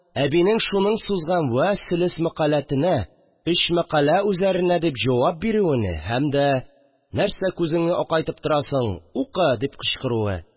Әбинең шуның сузган «вә сөлес мәкаләте»нә өч мәкалә үзәренә дип җавап бирүене һәм дә: «нәрсә күзеңне акайтып торасың? укы!» – дип кычкыруы